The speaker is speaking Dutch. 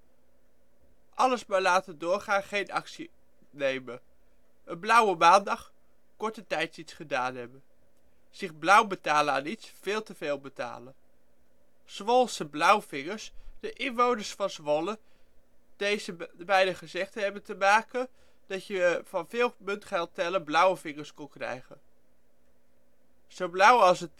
alles maar laten doorgaan, geen actie nemen een blauwe maandag - korte tijd iets gedaan hebben zich blauw betalen aan iets - veel te veel betalen Zwolse blauwvingers - de inwoners van Zwolle. Deze beide gezegden hebben te maken dat je van veel muntgeld tellen blauwe vingers kon krijgen. zo blauw als een